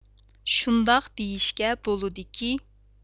شۇنداق دېيىشكە بولىدۇكى